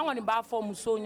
An kɔni b'a fɔ muso ye